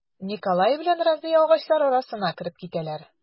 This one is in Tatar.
Николай белән Разия агачлар арасына кереп китәләр.